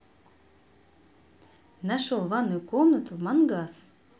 нашел ванную комнату в мангас